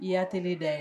Iya teli da ye